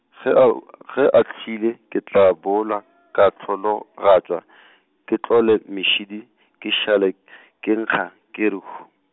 ge a , ge a hwile ke tla boolwa , ka hlologatšwa , ke tlole mešidi, ke šale , ke nkga, ke re ho.